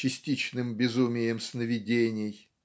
частичным безумием сновидений.